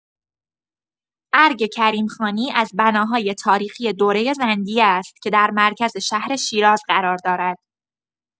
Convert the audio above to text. ارگ کریم‌خانی از بناهای تاریخی دوره زندیه است که در مرکز شهر شیراز قرار دارد.